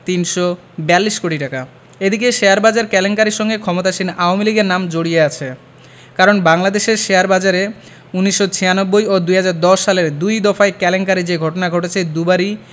৩৪২ কোটি টাকা এদিকে শেয়ারবাজার কেলেঙ্কারির সঙ্গে ক্ষমতাসীন আওয়ামী লীগের নাম জড়িয়ে আছে কারণ বাংলাদেশের শেয়ারবাজারে ১৯৯৬ ও ২০১০ সালের দুই দফায় কেলেঙ্কারির যে ঘটনা ঘটেছে দুবারই